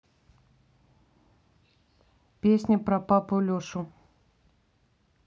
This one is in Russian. песня про папу лешу